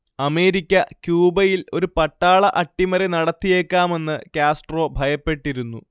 America ക്യൂബയിൽ ഒരു പട്ടാള അട്ടിമറി നടത്തിയേക്കാമെന്ന് കാസ്ട്രോ ഭയപ്പെട്ടിരുന്നു